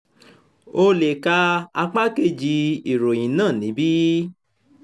O leè ká apá kejì ìròyìn náà níbí.